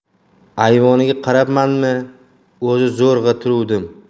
ayvoniga qarabmanmi o'zi zo'rg'a turuvdim